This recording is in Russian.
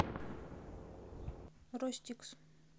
ростикс